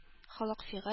Холык-фигыль